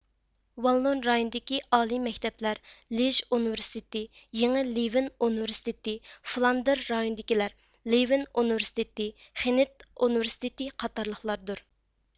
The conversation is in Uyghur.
ۋاللون رايونىدىكى ئالىي مەكتەپلەر لېژ ئۇنىۋېرسىتېتى يېڭى لېۋېن ئۇنىۋېرسىتېتى فلاندېر رايونىدىكىلەر لېۋېن ئۇنىۋېرسىتېتى خېنت ئۇنىۋېرسىتېتى قاتارلىقلاردۇر